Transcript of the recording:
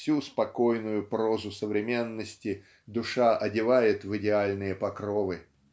всю спокойную прозу современности душа одевает в идеальные покровы.